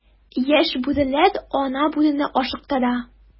Яшь бүреләр ана бүрене ашыктыра.